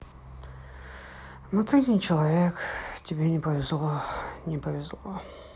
но ты не человек тебе не повезло не повезло